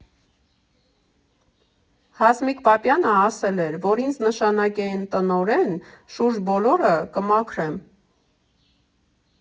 Հասմիկ Պապյանը ասել էր, որ ինձ նշանակեն տնօրեն, շուրջ բոլորը կմաքրեմ։